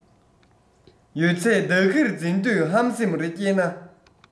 ཡོད ཚད བདག གིར འཛིན འདོད ཧམ སེམས རེ སྐྱེས ན